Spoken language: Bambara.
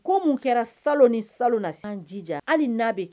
Ko mun kɛra salon ni salon na sisan jija hali ni na bɛ